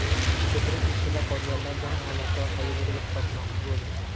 ko'prik ustida qolganlar jonholatda orqaga burilib qochmoqchi bo'lishdi